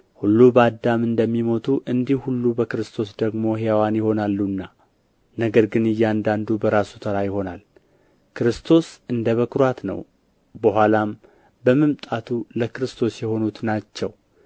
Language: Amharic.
ሁሉ በአዳም እንደሚሞቱ እንዲሁ ሁሉ በክርስቶስ ደግሞ ሕያዋን ይሆናሉና ነገር ግን እያንዳንዱ በራሱ ተራ ይሆናል ክርስቶስ እንደ በኩራት ነው በኋላም በመምጣቱ ለክርስቶስ የሆኑት ናቸው